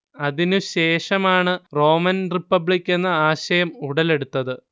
അതിനു ശേഷം ആണ് റോമൻ റിപ്പബ്ലിക്ക് എന്ന ആശയം ഉടലെടുത്തത്